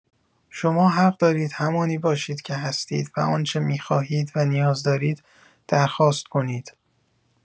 شما حق دارید همانی باشید که هستید و آنچه می‌خواهید و نیاز دارید درخواست کنید.